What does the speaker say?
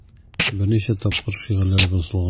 Берничә тапкыр шигырьләре басылган.